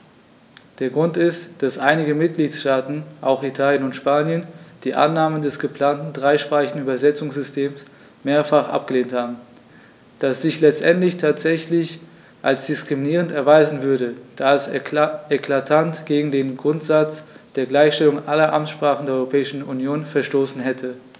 Der Grund ist, dass einige Mitgliedstaaten - auch Italien und Spanien - die Annahme des geplanten dreisprachigen Übersetzungssystems mehrfach abgelehnt haben, das sich letztendlich tatsächlich als diskriminierend erweisen würde, da es eklatant gegen den Grundsatz der Gleichstellung aller Amtssprachen der Europäischen Union verstoßen hätte.